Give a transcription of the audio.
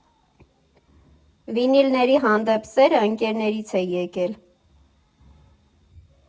Վինիլների հանդեպ սերը ընկերներից է եկել։